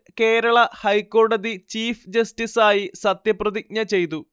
കേരള ഹൈക്കോടതി ചീഫ് ജസ്റ്റിസായി സത്യപ്രതിജ്ഞ ചെയ്തു